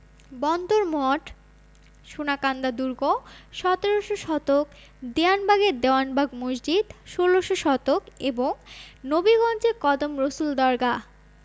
বন্দর মঠ সোনাকান্দা দুর্গ ১৭শ শতক দেওয়ানবাগে দেওয়ানবাগ মসজিদ ১৬শ শতক এবং নবীগঞ্জে কদম রসুল দরগাহ